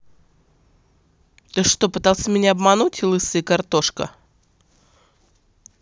ты что пытался меня обмануть лысая картошка